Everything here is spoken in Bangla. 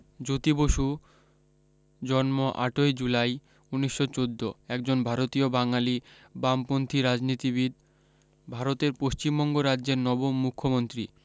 জ্যোতি বসু জন্ম আটৈ জুলাই উনিশশ চোদ্দ একজন ভারতীয় বাঙালী বামপন্থী রাজনীতিবিদ ভারতের পশ্চিমবঙ্গ রাজ্যের নবম মুখ্যমন্ত্রী